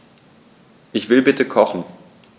Ich will bitte kochen.